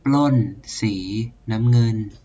ปล้นสีน้ำเงิน